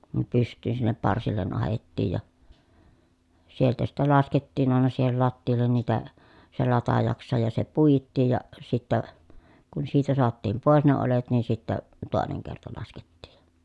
ne pystyyn sinne parsille ahdettiin ja sieltä sitten laskettiin aina siihen lattialle niitä se latajaksensa ja se puitiin ja sitten kun siitä saatiin pois ne oljet niin sitten toinen kerta laskettiin ja